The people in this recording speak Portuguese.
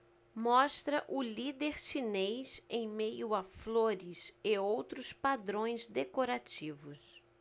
mostra o líder chinês em meio a flores e outros padrões decorativos